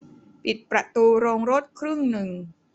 ปิดประตูโรงรถครึ่งหนึ่ง